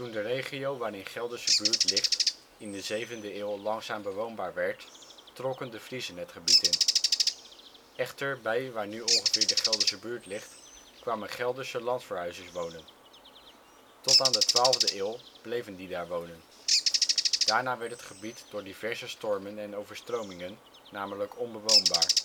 de regio waarin Gelderse Buurt ligt in de 7e eeuw langzaam bewoonbaar werd trokken de Friezen het gebied in. Echter bij waar nu ongeveer de Gelderse Buurt ligt kwamen Gelderse landverhuizers wonen. Tot aan de 12e eeuw bleven die daar wonen. Daarna werd het gebied door diverse stormen en overstromingen namelijk onbewoonbaar